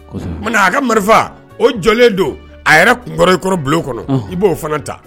A ka marifa o jɔlen don a yɛrɛ kunkɔrɔ bulon kɔnɔ i b'o fana ta